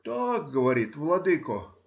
— Так,— говорит,— владыко